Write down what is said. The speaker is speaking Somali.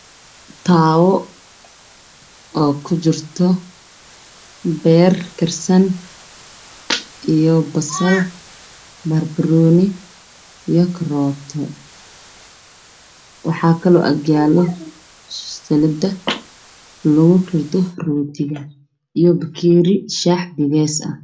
Taalo oo ku jirto beer ku jirto banbanooni